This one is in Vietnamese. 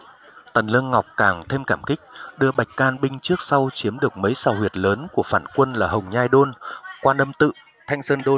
tần lương ngọc càng thêm cảm kích đưa bạch can binh trước sau chiếm được mấy sào huyệt lớn của phản quân là hồng nhai đôn quan âm tự thanh sơn đôn